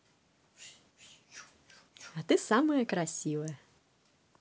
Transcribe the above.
а ты самая красивая